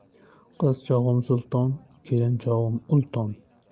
qiz chog'im sulton kelin chog'im ulton